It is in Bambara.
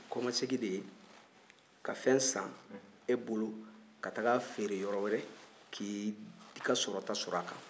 kɔmasegin de ye ka fɛn san e bolo ka taa a feere yɔrɔ wɛrɛ k'i ka sɔrɔta sɔrɔ a kan